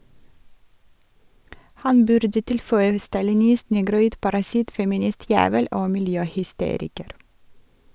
Han burde tilføye "stalinist", "negroid", "parasitt", "feministjævel" og "miljøhysteriker".